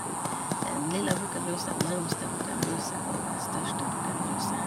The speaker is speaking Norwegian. Den lille bukken Bruse, mellomste bukken Bruse og den største bukken Bruse.